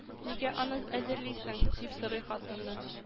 — нигә аны әзерлисең? — дип сорый хатыны